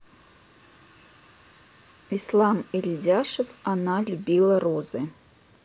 ислам эльдяшев она любила розы